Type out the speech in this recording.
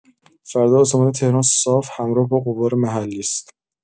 فردا آسمان تهران صاف همراه با غبار محلی است.